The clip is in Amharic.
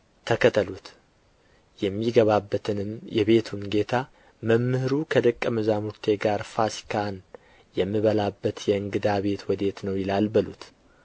ተከተሉት የሚገባበትንም የቤቱን ጌታ መምህሩ ከደቀ መዛሙርቴ ጋር ፋሲካን የምበላበት የእንግዳ ቤት ወዴት ነው ይላል በሉት